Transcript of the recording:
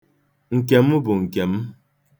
Nke m bụ nke m.